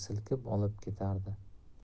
silkib olib ketardi